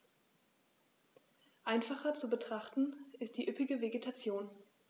Einfacher zu betrachten ist die üppige Vegetation.